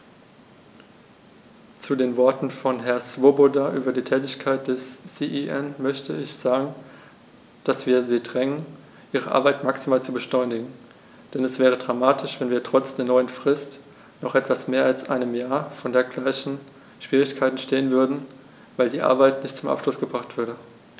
Zu den Worten von Herrn Swoboda über die Tätigkeit des CEN möchte ich sagen, dass wir sie drängen, ihre Arbeit maximal zu beschleunigen, denn es wäre dramatisch, wenn wir trotz der neuen Frist nach etwas mehr als einem Jahr vor den gleichen Schwierigkeiten stehen würden, weil die Arbeiten nicht zum Abschluss gebracht wurden.